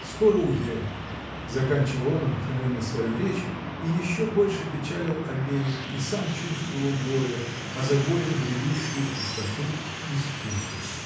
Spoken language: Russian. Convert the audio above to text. скоро уеду, — заканчивал он обыкновенно свою речь и еще больше печалил обеих и сам чувствовал горе, а за горем грядущую пустоту и скуку.